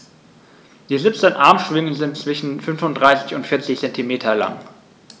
Die 17 Armschwingen sind zwischen 35 und 40 cm lang.